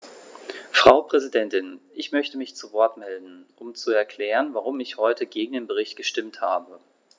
Frau Präsidentin, ich möchte mich zu Wort melden, um zu erklären, warum ich heute gegen den Bericht gestimmt habe.